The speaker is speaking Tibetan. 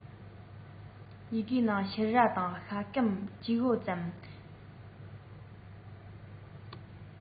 ཡི གེའི ནང ཕྱུར ར དང ཤ སྐམ ལྕུག འོ རྩམ